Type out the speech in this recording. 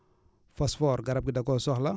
phosphore garab gi da koy soxla